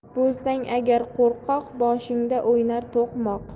bo'lsang agar qo'rqoq boshingda o'ynar to'qmoq